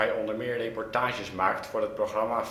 onder meer reportages maakt voor het programma